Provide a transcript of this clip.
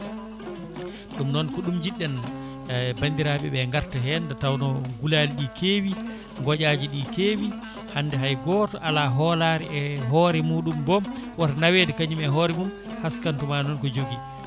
ɗum noon ko ɗum jidɗen bandiraɓeve garta hen nde tawno guulaliɗi kewi gooƴaji ɗi kewi hande hay goto ala hoolare e hoore muɗum boom woto nawete kañum e hoore mum haskantuma noon ko joogui